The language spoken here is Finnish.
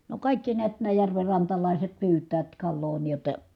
no kaikki näet nämä järvenrantalaiset pyytävät kalaa niin jotta